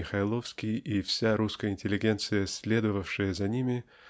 Михайловский и вся русская интеллигенция следовавшая за ними